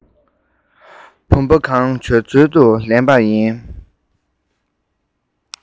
བུམ པ གང བྱོའི ཚུལ དུ ལེན པ ཡིན